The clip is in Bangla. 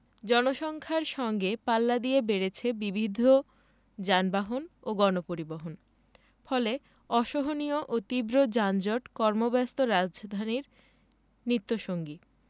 জনসংখ্যার সঙ্গে পাল্লা দিয়ে বেড়েছে বিবিধ যানবাহন ও গণপরিবহন ফলে অসহনীয় ও তীব্র যানজট কর্মব্যস্ত রাজধানীর নিত্যসঙ্গী